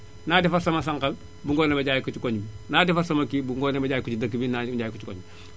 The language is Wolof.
naa defar sama sànqal bu ngoonee ma jaay ko ci koñ bi naa defar sama kii bu ngoonee ma jaay ko si dëkk bi mbaa ma jaay ko si koñ bi